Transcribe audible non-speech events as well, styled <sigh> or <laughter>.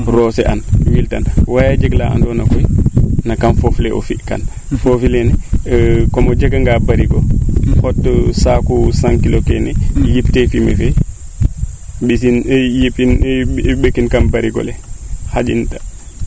roose an wiltan waya jeg laa ando na koy na kam foof le o fi kan foofi leene comme o jega nga barigo xot saaku cinq kilo keene yip tee fumier fee mbisin <hesitation> yipin kam barigo le xaƴin ta